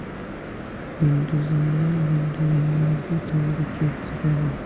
yulduzinglar yulduzlaringga to'g'ri kepti dedi